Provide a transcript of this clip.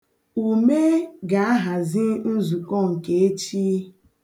Ume ga-ahazi nzukọ nke echi.